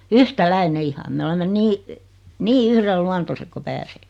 yhtäläinen ihan me olemme niin niin yhdenluontoiset kuin pääseekin